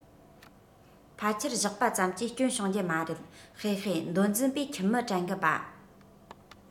ཕལ ཆེར བཞག པ ཙམ གྱིས སྐྱོན བྱུང རྒྱུ མ རེད ཧེ ཧེ མདོ འཛིན པས ཁྱིམ མི དྲན གི པཱ